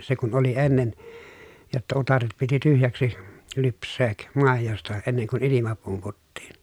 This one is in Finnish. se kun oli ennen jotta utareet piti tyhjäksi lypsää maidosta ennen kuin ilma pumputtiin